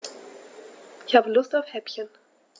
Ich habe Lust auf Häppchen.